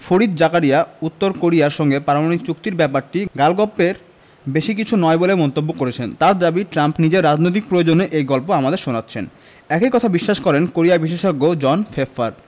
ফরিদ জাকারিয়া উত্তর কোরিয়ার সঙ্গে পারমাণবিক চুক্তির ব্যাপারটি গালগপ্পের বেশি কিছু নয় বলে মন্তব্য করেছেন তাঁর দাবি ট্রাম্প নিজের রাজনৈতিক প্রয়োজনে এই গল্প আমাদের শোনাচ্ছেন একই কথা বিশ্বাস করেন কোরিয়া বিশেষজ্ঞ জন ফেফফার